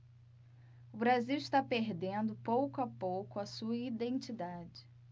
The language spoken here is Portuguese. o brasil está perdendo pouco a pouco a sua identidade